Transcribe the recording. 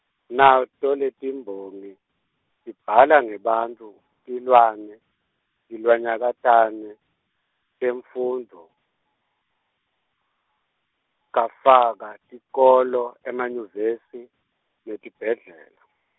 nato letiMbongi, tibhala ngebantfu, tilwane, tilwanyakatane, temfundvo, kafaka, tikolo, emanyuvesi, netibhedlela.